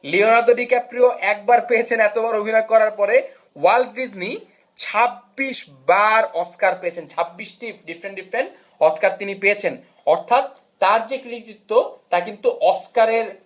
Leonardo DiCaprio একবার পেয়েছেন এত বড় অভিনয় করার পরে ওয়াল্ট ডিজনি 26 বার 26 বার 26 টি ডিফ্রেন্ট ডিফ্রেন্ট অস্কার তিনি পেয়েছেন অর্থাৎ তার যে কৃতিত্ব তা কিন্তু অস্কারের